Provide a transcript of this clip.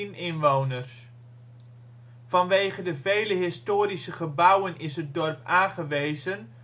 inwoners. Vanwege de vele historische gebouwen is het dorp aangewezen